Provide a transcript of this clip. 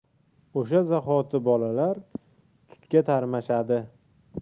o'sha zahoti bolalar tutga tarmashadi